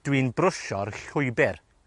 Dwi'n brwsio'r llwybyr.